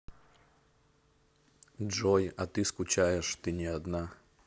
джой а ты скучаешь ты не одна